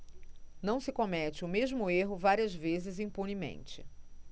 não se comete o mesmo erro várias vezes impunemente